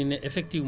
waaw